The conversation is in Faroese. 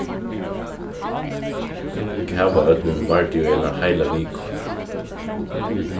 kavaódnin vardi í eina heila viku